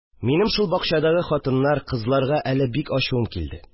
Минем шул бакчадагы хатыннар, кызларга әле бик ачуым килде